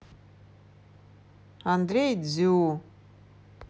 андрей дзю